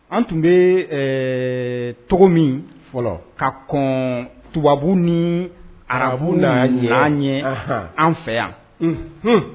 An kun bi cogo min fɔlɔ ka kɔn tubabuw ni ararabu na ɲɛ anw fɛ yan Unhun